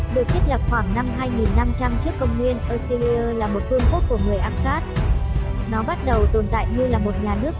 được thiết lập khoảng năm trước công nguyên assyria là một vương quốc của người akkad nó bắt đầu tồn tại như là một nhà nước